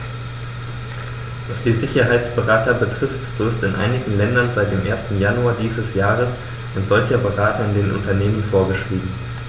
Was die Sicherheitsberater betrifft, so ist in einigen Ländern seit dem 1. Januar dieses Jahres ein solcher Berater in den Unternehmen vorgeschrieben.